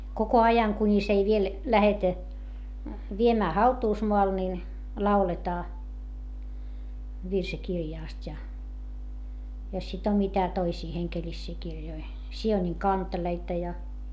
koko ajan kunis ei vielä lähdetä viemään hautuumaalle niin lauletaan virsikirjasta ja jos sitten on mitä toisia hengellisiä kirjoja Siionin kanteleita ja